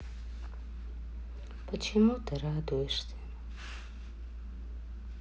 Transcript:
почему ты радуешься